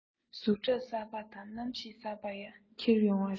ཟུངས ཁྲག གསར པ དང རྣམ ཤེས གསར པ ཡང ཁྱེར ཡོང བ རེད